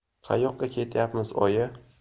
qayoqqa ketyapmiz oyi